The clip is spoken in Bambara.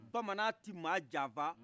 bamanan ti ma janfa